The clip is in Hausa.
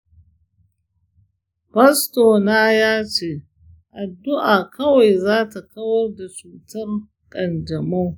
fastona ya ce addu'a kawai za ta warkar da cutar ƙanjamau.